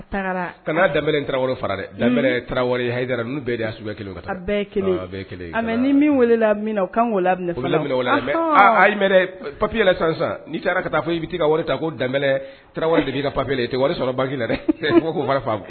Kana n'a da tarawele fara dɛ tarawele nu bɛɛ sokɛbɛ kelen ni min weele la min ka kan la papiy sisan sisan n'i taara ka taa fɔ i bɛ taa ka wari ta ko da tarawele de ka papi tɛ wari sɔrɔ baki la dɛ tɔgɔ koo fara fa